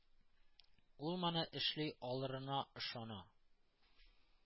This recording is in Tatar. Ул моны эшли алырына ышана.